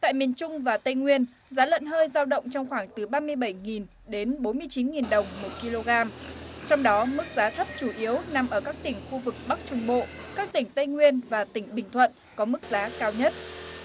tại miền trung và tây nguyên giá lợn hơi dao động trong khoảng từ ba mươi bảy nghìn đến bốn mươi chín nghìn đồng một ki lô gam trong đó mức giá thấp chủ yếu nằm ở các tỉnh khu vực bắc trung bộ các tỉnh tây nguyên và tỉnh bình thuận có mức giá cao nhất